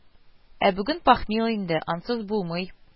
Ә бүген пахмил инде, ансыз булмый